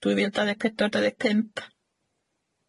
dwy fil dau ddeg pedwar dau ddeg pump.